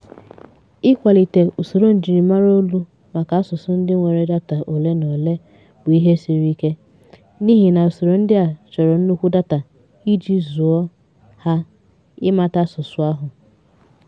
Ịkwalite usoro njirimara olu maka asụsụ ndị nwere data ole na ole bụ ihe siri ike, n'ihi na usoro ndị a chọrọ nnukwu data iji “zụ̀ọ́” ha ịmata asụsụ ahụ.